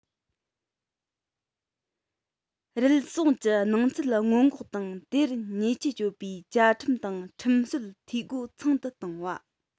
རུལ སུངས ཀྱི སྣང ཚུལ སྔོན འགོག དང དེར ཉེས ཆད གཅོད པའི བཅའ ཁྲིམས དང ཁྲིམས སྲོལ འཐུས སྒོ ཚང དུ གཏོང བ